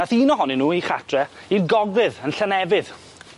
Nath un ohonyn nw 'i chatre i'r gogledd yn Llanefydd.